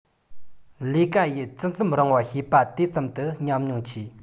ལས ཀ ཡུན ཇི ཙམ རིང བ བྱས པ དེ ཙམ དུ ཉམས མྱོང ཆེ